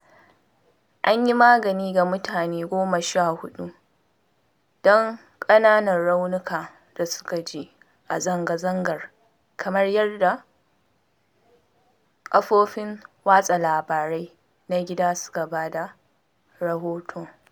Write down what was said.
An yi magani ga mutane goma sha huɗu don ƙananan raunuka da suka ji a zanga-zangar, kamar yadda kafofin watsa labarai na gida suka ba da rahoto.